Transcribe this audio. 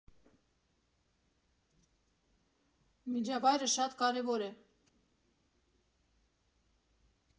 Միջավայրը շատ կարևոր է։